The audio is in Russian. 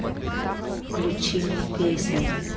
включи мне песни